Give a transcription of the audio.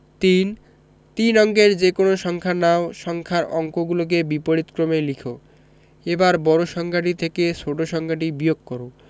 ৩ তিন অঙ্কের যেকোনো সংখ্যা নাও সংখ্যার অঙ্কগুলোকে বিপরীতক্রমে লিখ এবার বড় সংখ্যাটি থেকে ছোট সংখ্যাটি বিয়োগ কর